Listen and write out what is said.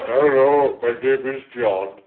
Hello my name is John